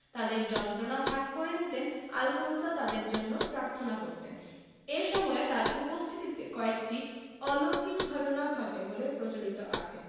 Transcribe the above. তাঁদের যন্ত্রণা ভাগ করে নিতেন আলফোনসা তাঁদের জন্য প্রার্থনা করতেন এ সময়ে তাঁর উপস্থিতিতে কয়েকটি অলুকিক ঘটনা ঘটে বলেও প্রচলিত আছে